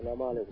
salaamaaleykum